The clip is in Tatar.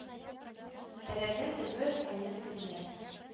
Тәрәзә төбе саен гөлләр